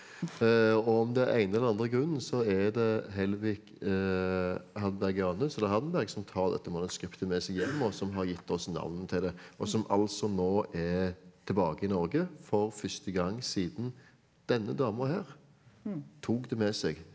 og om det er ene eller andre grunnen så er det Helvig Hardenbergianus eller Hardenberg som tar dette manuskriptet med seg hjem og som har gitt oss navn til det og som altså nå er tilbake i Norge for første gang siden denne dama her tok det med seg.